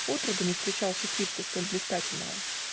Отроду не встречал счастливца столь блистательного!